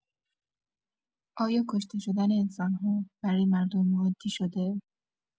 آیا کشته شدن انسان‌ها برای مردم ما عادی شده؟